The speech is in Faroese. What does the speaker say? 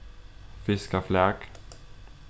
fiskaflak